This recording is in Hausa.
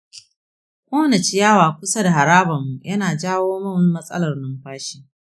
ƙona ciyawa kusa da harabar mu yana jawo min matsalar numfashi.